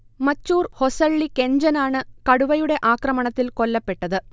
മച്ചൂർ ഹൊസള്ളി കെഞ്ചൻ ആണ് കടുവയുടെ ആക്രമണത്തിൽ കൊല്ലപ്പെട്ടത്